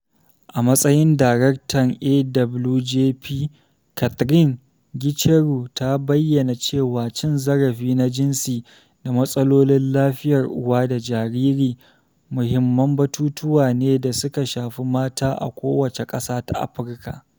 A matsayin daraktan AWJP, Catherine Gicheru ta bayyana cewa cin zarafi na jinsi da matsalolin lafiyar uwa da jariri muhimman batutuwa ne da suka shafi mata a kowace ƙasa ta Afirka.